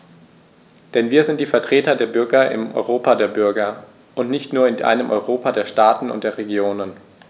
Denn wir sind die Vertreter der Bürger im Europa der Bürger und nicht nur in einem Europa der Staaten und der Regionen.